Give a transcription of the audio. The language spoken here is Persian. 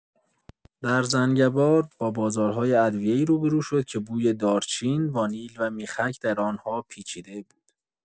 در زنگبار، با بازارهای ادویه‌ای روبه‌رو شد که بوی دارچین، وانیل و میخک در آن‌ها پیچیده بود.